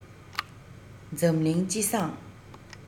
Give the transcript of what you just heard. འཛམ གླིང སྤྱི བསང